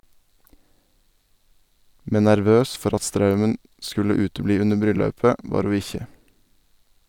Men nervøs for at straumen skulle utebli under bryllaupet, var ho ikkje.